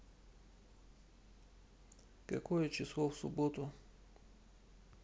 какое число в субботу